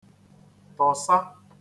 tọ̀sa